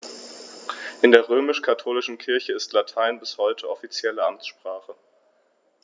In der römisch-katholischen Kirche ist Latein bis heute offizielle Amtssprache.